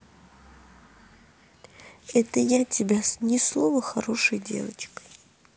это я тебя ни слова хорошей девочкой